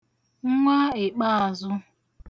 nwa ìkpeazụ̄